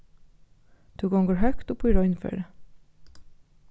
tú gongur høgt upp í reinføri